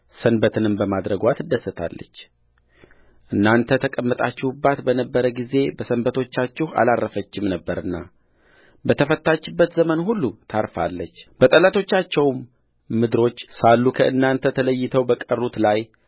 ሰንበትንም በማድረግዋ ትደሰታለችእናንተ ተቀምጣችሁባት በነበረ ጊዜ በሰንበቶቻችሁ አላረፈችም ነበርና በተፈታችበት ዘመን ሁሉ ታርፋለችበጠላቶቻቸውም ምድሮች ሳሉ ከእናንተ ተለይተው በቀሩት ላይ